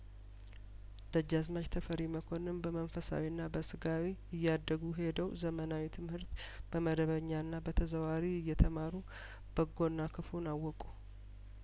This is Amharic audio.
ደጃዝማች ተፈሪ መኮንን በመንፈሳዊና በስጋዊ እያደጉ ሄደው ዘመናዊ ትምህርት በመደበኛና በተዘዋዋሪ እየተማሩ በጐና ክፉን አወቁ